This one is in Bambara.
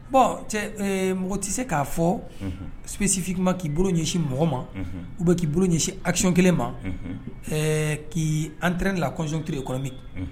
Bɔn mɔgɔ tɛ se k'a fɔ psifi ma k'i bolo ɲɛsin mɔgɔ ma u bɛ k'i bolo ɲɛsin asy kelen ma k' antr lakɔsɔnur kɔnɔmi